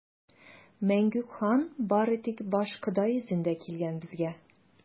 Мәңгүк хан бары тик башкода йөзендә килгән безгә!